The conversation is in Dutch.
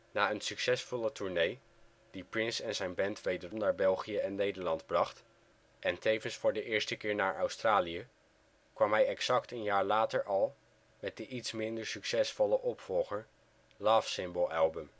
Na een succesvolle tournee, die Prince en zijn band wederom naar België en Nederland bracht en tevens voor de eerste keer naar Australië, kwam hij exact een jaar later al met de iets minder succesvolle opvolger Love Symbol Album